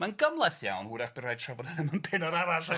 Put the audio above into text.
Ma'n gymhleth iawn, w'rach by' raid trafod yn pennod arall ia.